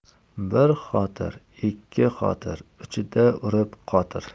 bir xotir ikki xotir uchida urib qotir